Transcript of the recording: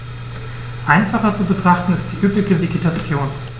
Einfacher zu betrachten ist die üppige Vegetation.